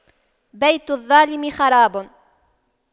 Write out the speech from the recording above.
بيت الظالم خراب